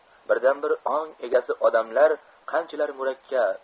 birdan bir ong egasi odamlar qanchalar murakkab